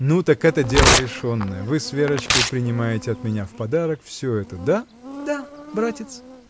— Ну так это дело решенное: вы с Верочкой принимаете от меня в подарок всё это, да? — Да. братец.